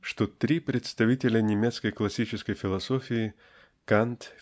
что три представителя немецкой классической философии -- Кант